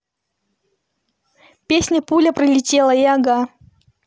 песня пуля пролетела и ага